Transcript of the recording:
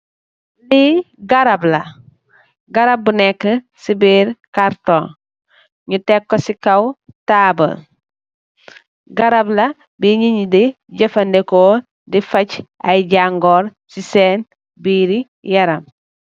Li garab la garab bu neka si birr cartoon nyu tecko si kaw tabul garab la bi nitt yi de jefendeko di faag ay jangoro si sen birr yaram.